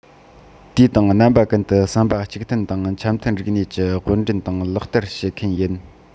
དུས དང རྣམ པ ཀུན དུ བསམ པ གཅིག མཐུན དང འཆམ མཐུན རིག གནས ཀྱི དབུ འདྲེན དང ལག སྟར བྱེད མཁན ཡིན